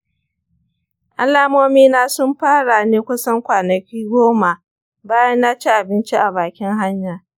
alamomina sun fara ne kusan kwanaki goma bayan na ci abinci a bakin hanya.